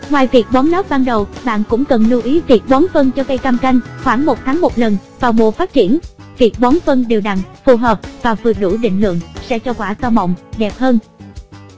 ngoài việc bón lót ban đầu bạn cũng cần lưu ý việc bón phân cho cây cam canh khoảng tháng một lần vào mùa phát triển việc bón phân đều đặn phù hợp và vừa đủ định lượng sẽ cho quả to mọng đẹp hơn